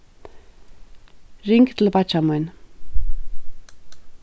ring til beiggja mín